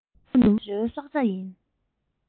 དབྱར རྩྭ དགུན འབུ ནི རི བོའི སྲོག ཡིན